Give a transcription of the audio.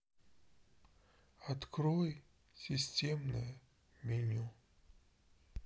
открой системное меню